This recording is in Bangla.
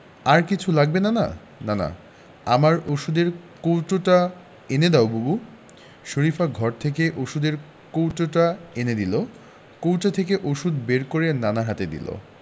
আর কিছু লাগবে নানা নানা আমার ঔষধের কৌটোটা এনে দাও বুবু শরিফা ঘর থেকে ঔষধের কৌটোটা এনে দিল কৌটা থেকে ঔষধ বের করে নানার হাতে দিল